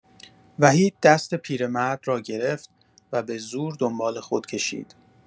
وحید دست پیرمرد را گرفت و به‌زور دنبال خود کشید.